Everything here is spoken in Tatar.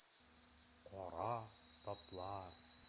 Кара таплар.